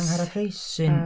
Angharad Price sy'n...